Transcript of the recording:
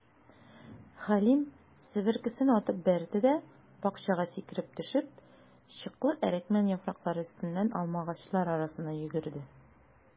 Хәлим, себеркесен атып бәрде дә, бакчага сикереп төшеп, чыклы әрекмән яфраклары өстеннән алмагачлар арасына йөгерде.